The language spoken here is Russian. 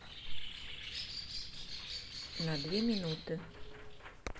на две минуты